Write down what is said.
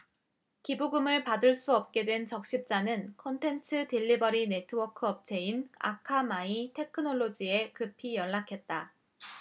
기부금을 받을 수 없게 된 적십자는 콘텐츠 딜리버리 네트워크 업체인 아카마이 테크놀로지에 급히 연락했다